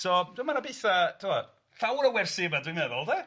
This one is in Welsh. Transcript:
ti'bod? So ma' 'na betha, ti'bod, llawer o wersi yma dwi'n meddwl, 'de?